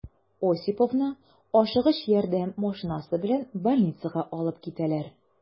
Осиповны «Ашыгыч ярдәм» машинасы белән больницага алып китәләр.